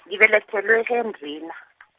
ngibelethelwe e- Hendrina.